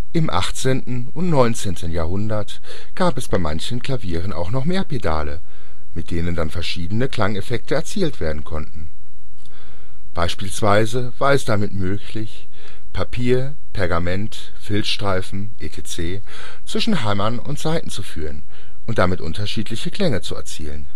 Im 18. und 19. Jahrhundert gab es bei manchen Klavieren auch noch mehr Pedale, mit denen dann verschiedene Klangeffekte erzielt werden konnten. Beispielsweise war es damit möglich, Papier -, Pergament -, Filzstreifen etc. zwischen Hämmer und Saiten zu führen und damit unterschiedliche Klänge zu erzielen